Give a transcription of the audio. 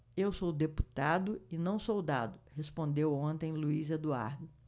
eu sou deputado e não soldado respondeu ontem luís eduardo